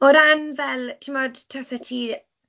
O ran fel timod, taset ti